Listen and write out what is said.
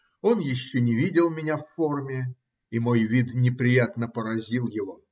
Он еще не видел меня в форме, и мой вид неприятно поразил его.